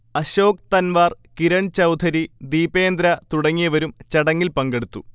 അശോക് തൻവാർ, കിരൺ ചൗധരി, ദീപേന്ദ്ര തുടങ്ങിയവരും ചടങ്ങിൽ പങ്കെടുത്തു